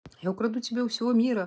я украду тебя у всего мира